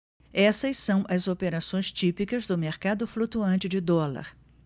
essas são as operações típicas do mercado flutuante de dólar